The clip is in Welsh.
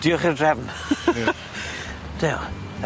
O diolch i'r drefn. Ie. Dew.